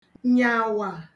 nyàwà